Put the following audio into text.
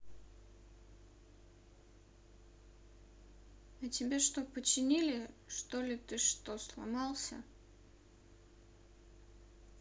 а тебя что починили что ли ты что сломался